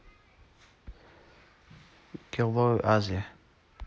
giolì азия